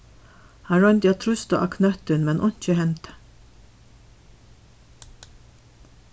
hann royndi at trýsta á knøttin men einki hendi